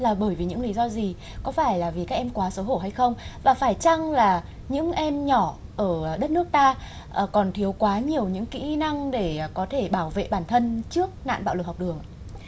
là bởi vì những lý do gì có phải là vì các em quá xấu hổ hay không và phải chăng là những em nhỏ ở đất nước ta ở còn thiếu quá nhiều những kỹ năng để có thể bảo vệ bản thân trước nạn bạo lực học đường